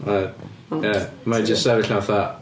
Oedd... Ond... Mae hi jyst sefyll yna fatha...